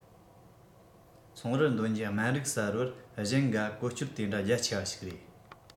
ཚོང རར འདོན རྒྱུའི སྨན རིགས གསར པར གཞན འགའ བཀོལ སྤྱོད དེ འདྲ རྒྱ ཆེ བ ཞིག རེད